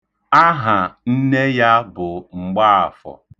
Aha nne ya bụ Mgbaafọ.